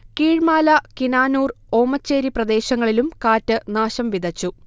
കീഴ്മാല, കിനാനൂർ, ഓമച്ചേരി പ്രദേശങ്ങളിലും കാറ്റ് നാശംവിതച്ചു